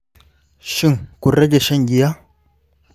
shin, kun rage shan giya?